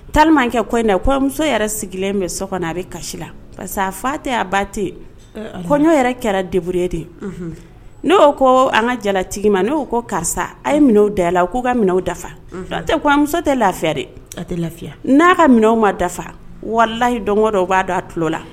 Ta kɛ kɔ in na ko muso yɛrɛ sigilen bɛ so kɔnɔ a bɛ kasi la karisa a fa tɛ a ba tɛ kɔɲɔ yɛrɛ kɛra deburue de n'o ko an ka jalatigi ma ne'o ko karisa a ye dala la k'u ka minɛ o dafa muso tɛ lafiya de a tɛ lafiya n'a ka minɛ o ma dafa walayi dɔn dɔ u b'a dɔn a tulolo la